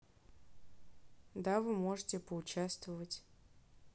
да вы можете поучаствовать